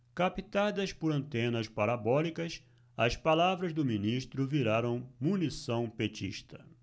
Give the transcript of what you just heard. captadas por antenas parabólicas as palavras do ministro viraram munição petista